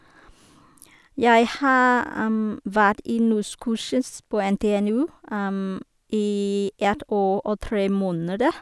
Jeg har vært i norskkurset på NTNU i ett år og tre måneder.